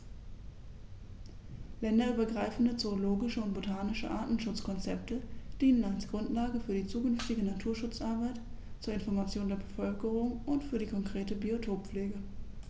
Länderübergreifende zoologische und botanische Artenschutzkonzepte dienen als Grundlage für die zukünftige Naturschutzarbeit, zur Information der Bevölkerung und für die konkrete Biotoppflege.